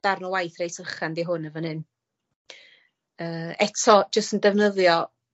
darn o waith reit fychan 'di hwn yn fan 'yn. Yy eto jyst yn defnyddio